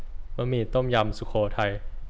บะหมี่ต้มยำสุโขทัย